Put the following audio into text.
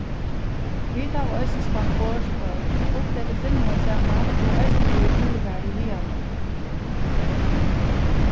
vit hava eisini spælt borðspøl hugt eftir filmum saman og eisini verið túrar í haganum